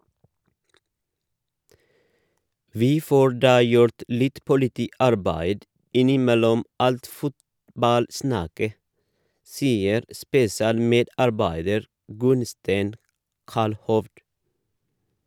- Vi får da gjort litt politiarbeid innimellom alt fotballsnakket, sier spesialmedarbeider Gunnstein Kallhovd.